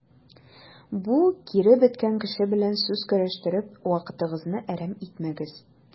Бу киребеткән кеше белән сүз көрәштереп вакытыгызны әрәм итмәгез.